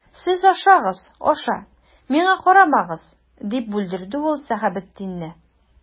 Сез ашагыз, аша, миңа карамагыз,— дип бүлдерде ул Сәхәбетдинне.